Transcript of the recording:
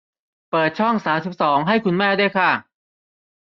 เปิดช่องสามสิบสองให้คุณแม่ด้วยค่ะ